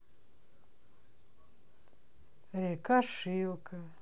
река шилка